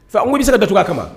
Fa an ko bɛ se ka daugu a kama